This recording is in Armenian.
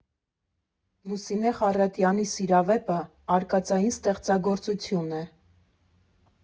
Լուսինե Խառատյանի «Սիրիավեպ»֊ը արկածային ստեղծագործություն է։